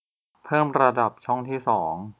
เพิ่มระดับช่องที่สอง